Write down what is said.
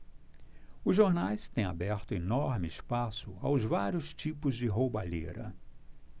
os jornais têm aberto enorme espaço aos vários tipos de roubalheira